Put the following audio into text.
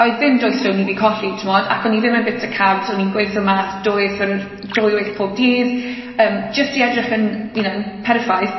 oedd ddim dwy stone i fi colli t'mod, ac o'n i ddim yn bita caws o'n i'n gweithio mas dwy dwywaith pob dydd, yym jyst i edrych yn you know perffaith.